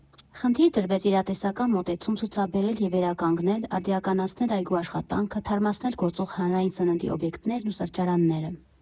Խնդիր դրվեց իրատեսական մոտեցում ցուցաբերել և վերականգնել, արդիականացնել այգու աշխատանքը, թարմացնել գործող հանրային սննդի օբյեկտներն ու սրճարանները։